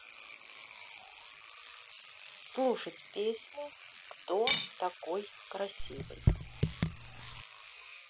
слушать песню кто такой красивый